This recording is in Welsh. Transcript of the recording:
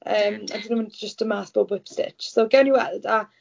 Yym a 'di nhw'm yn jyst dod mas bob whip stitch, so gawn ni weld. A...